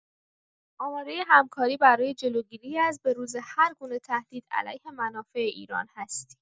آماده همکاری برای جلوگیری از بروز هرگونه تهدید علیه منافع ایران هستیم.